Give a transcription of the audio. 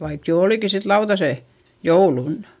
vaikka jo olikin sitten lautaset jouluna